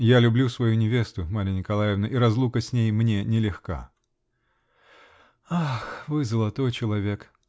-- Я люблю свою невесту, Марья Николаевна, и разлука с ней мне не легка. -- Ах, вы золотой человек!